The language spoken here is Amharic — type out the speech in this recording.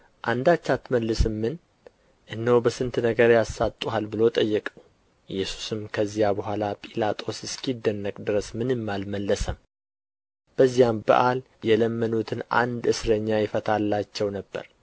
አንዳች አትመልስምን እነሆ በስንት ነገር ያሳጡሃል ብሎ ጠየቀው ኢየሱስም ከዚያ በኋላ ጲላጦስ እስኪደነቅ ድረስ ምንም አልመለሰም በዚያም በዓል የለመኑትን አንድ እስረኛ ይፈታላቸው ነበር